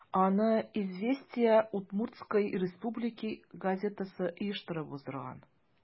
Аны «Известия Удмуртсткой Республики» газетасы оештырып уздырган.